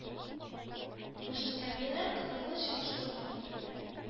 Буш эскәмияләр кызыклы чагыштыруга китерде